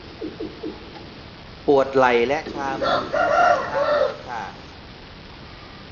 ปวดไหล่และชามือทั้งสองข้างเลยค่ะ